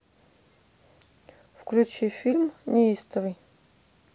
включи фильм неистовый